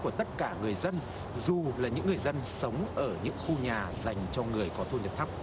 của tất cả người dân du mục là những người dân sống ở những khu nhà dành cho người có thu nhập thấp